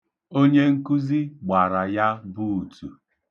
Onyenkuzi gbara ya buutu.